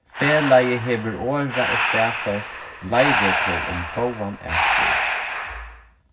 felagið hevur orðað og staðfest leiðreglur um góðan atburð